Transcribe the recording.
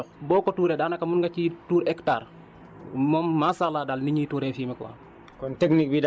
mais ñoom liñ lay jox boo ko tuuree daanaka mun nga ciy tuur hectare moom macha allah daal ni ñuy tuuree fumier quoi